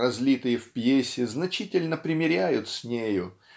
разлитые в пьесе значительно примиряют с нею